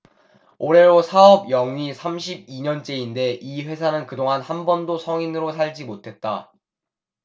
올해로 사업 영위 삼십 이 년째인데 이 회사는 그동안 한 번도 성인으로 살지 못했다